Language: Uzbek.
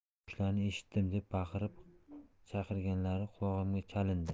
tovushlarini eshitdim deb baqirib chaqirganlari qulog'imga chalindi